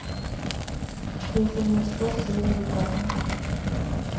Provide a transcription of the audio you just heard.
фрезерный стол своими руками